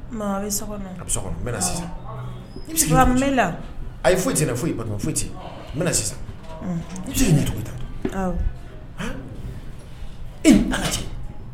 A bɛ bɛ bɛ sisanla a yet foyi ba foyi ten bɛna sisan u nin dugu ta e ni ala cɛ